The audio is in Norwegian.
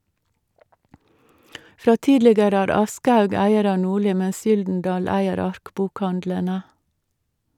Fra tidligere er Aschehoug eier av Norli, mens Gyldendal eier Ark-bokhandlene.